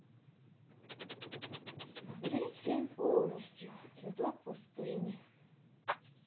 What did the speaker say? смотреть фильм полностью цветок пустыни